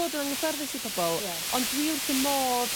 ...bod yn anghyffyrddus i pobol. Ie. Ond dwi wrth 'ym modd